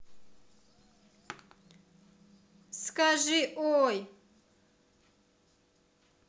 скажи ой